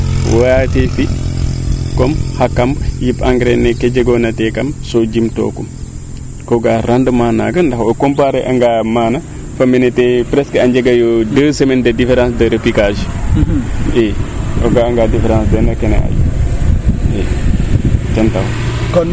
waye te tig comme yip engrais neeke ke jegoona tekan soo jim tookum koo ga'a rendement naaga nda ko comparer angaa maana fo mene presque a njega yo deux semaine de difference de replicage i o ga'a nga difference den a kene ten taxu